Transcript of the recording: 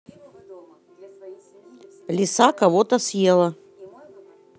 лиса кого то съела